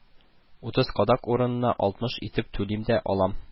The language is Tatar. Утыз кадак урынына алтмыш итеп түлим дә, алам